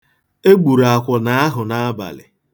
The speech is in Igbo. E gburu akwụna n'abalị.